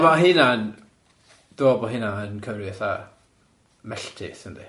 O ma' hynna'n, dw i'n meddwl bo' hynna'n cyfri fatha, melltith yndi.